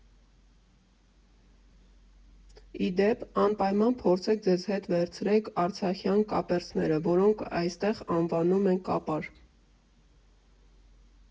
Ի դեպ, անպայման փորձեք և ձեզ հետ վերցրեք արցախյան կապերսները, որոնք այստեղ անվանում են կապար։